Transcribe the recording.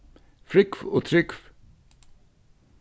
frúgv og trúgv